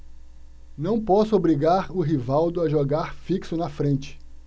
não posso obrigar o rivaldo a jogar fixo na frente